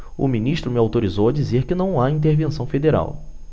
o ministro me autorizou a dizer que não há intervenção federal